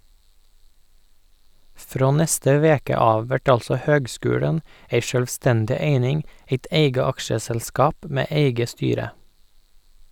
Frå neste veke av vert altså høgskulen ei sjølvstendig eining, eit eige aksjeselskap med eige styre.